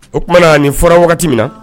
O kumana nin fɔra wagati min na